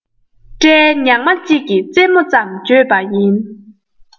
སྐྲའི ཉག མ གཅིག གི རྩེ མོ ཙམ བརྗོད པ ཡིན